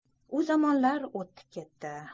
u zamonlar o'tdi ketdi